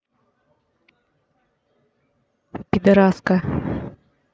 пидараска